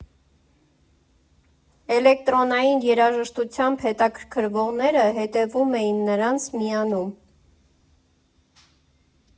Էլեկտրոնային երաժշտությամբ հետաքրքրվողները հետևում էին նրանց, միանում։